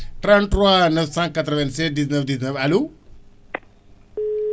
33 996 19 19 allo